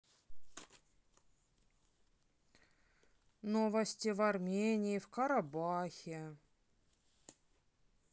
новости в армении в карабахе